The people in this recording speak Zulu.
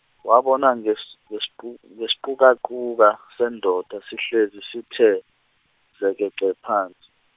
wabona ngesi- ngesiqu- ngesiqukaquka sendoda sihlezi sithe, zekece phansi.